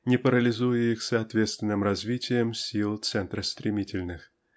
не парализуя их соответственным развитием сил центростремительных